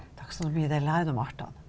taksonomi det er læren om artene.